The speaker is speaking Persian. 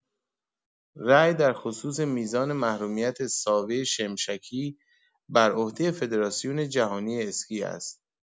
رای در خصوص میزان محرومیت ساوه شمشکی بر عهده فدراسیون جهانی اسکی است.